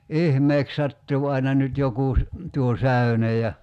ihmeeksi sattuu aina nyt joku tuo säyne ja